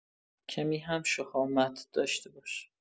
کمی هم شهامت داشته باش.